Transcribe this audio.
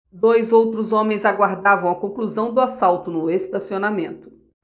dois outros homens aguardavam a conclusão do assalto no estacionamento